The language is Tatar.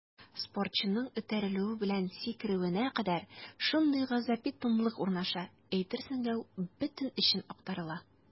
Спортчының этәрелүе белән сикерүенә кадәр шундый гасаби тынлык урнаша, әйтерсең лә бөтен эчең актарыла.